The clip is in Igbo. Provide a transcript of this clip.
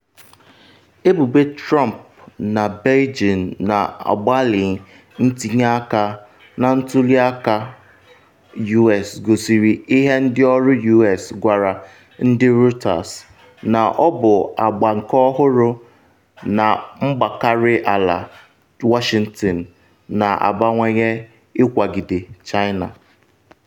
Ebubo Trump na Beijing na-agbalị itinye aka na ntuli aka U.S gosiri ihe ndị ọrụ U.S gwara ndị Reuters na ọ bụ agba nke ọhụrụ na mgbakiri ala Washington na-abawanye ịkwagide China.